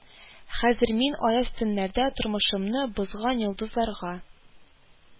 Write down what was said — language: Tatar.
Хәзер мин аяз төннәрдә тормышымны бозган йолдызларга